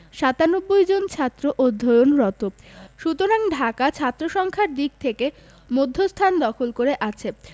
৯৭ জন ছাত্র অধ্যয়নরত সুতরাং ঢাকা ছাত্রসংখ্যার দিক থেকে মধ্যস্থান দখল করে আছে